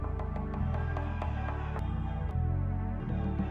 San yo